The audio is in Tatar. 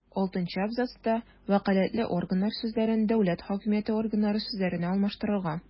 Алтынчы абзацта «вәкаләтле органнар» сүзләрен «дәүләт хакимияте органнары» сүзләренә алмаштырырга;